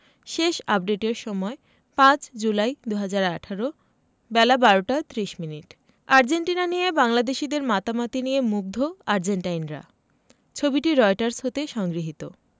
শেষ আপডেটের সময় ৫ জুলাই ২০১৮ বেলা ১২টা ৩০মিনিট আর্জেন্টিনা নিয়ে বাংলাদেশিদের মাতামাতি নিয়ে মুগ্ধ আর্জেন্টাইনরা ছবিটি রয়টার্স হতে সংগৃহীত